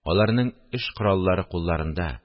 Аларның эш кораллары кулларында